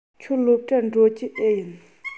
ཁྱོད སློབ གྲྭར འགྲོ རྒྱུ འེ ཡིན